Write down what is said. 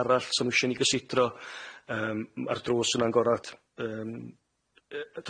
arall 'sa n'w isio ni gysidro yym ma'r drws yna'n gorad yym yy